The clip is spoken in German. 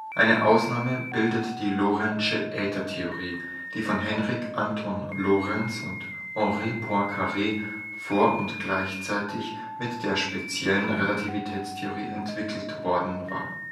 Eine Ausnahme bildet die lorentzsche Äthertheorie, die von Hendrik Antoon Lorentz und Henri Poincaré vor und gleichzeitig mit der speziellen Relativitätstheorie entwickelt worden war